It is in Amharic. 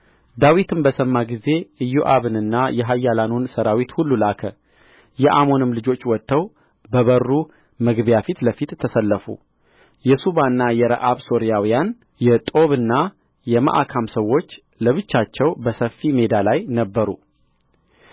ዳዊትም በሰማ ጊዜ ኢዮአብንና የኃያላኑን ሠራዊት ሁሉ ላከ የአሞንም ልጆች ወጥተው በበሩ መግቢያ ፊት ለፊት ተሰለፉ የሱባና የረአብ ሶርያውያን የጦብና የመዓካም ሰዎች ለብቻቸው በሰፊ ሜዳ ላይ ነበሩ